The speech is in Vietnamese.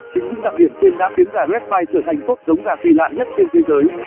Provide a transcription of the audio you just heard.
chính những đặc điểm trên đã khiến gà bantam trở thành top giống gà kỳ lạ nhất trên thế giới